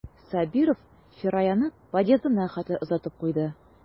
Сабиров Фираяны подъездына хәтле озатып куйды.